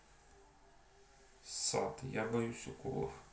я боюсь уколов